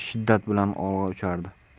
shiddat bilan olg'a uchardi